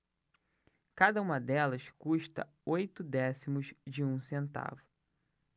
cada uma delas custa oito décimos de um centavo